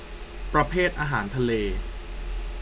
ประเภทอาหารทะเล